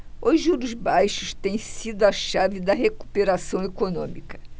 os juros baixos têm sido a chave da recuperação econômica